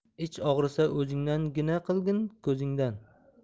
ich og'risa o'zingdan gina qilgin ko'zingdan